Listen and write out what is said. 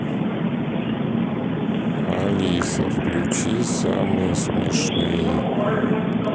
алиса включи самые смешные